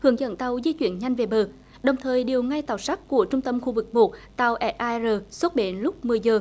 hướng dẫn tàu di chuyển nhanh về bờ đồng thời điều ngay tàu sắt của trung tâm khu vực buộc tàu e air xuất bến lúc mười giờ